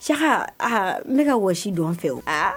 Ca aa n ne ka wa dɔn fɛ